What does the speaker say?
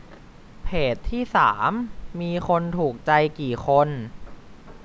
เพจที่สามมีคนถูกใจกี่คน